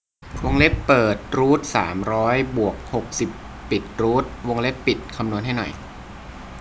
วงเล็บเปิดรูทสามร้อยบวกหกสิบปิดรูทวงเล็บปิดคำนวณให้หน่อย